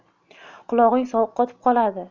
qulog'ing sovuq qotib qoladi